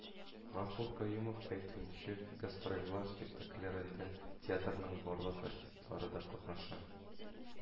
Гафур Каюмов әйтүенчә, гастрольләр спектакльләрендә театрның барлык артистлары да катнаша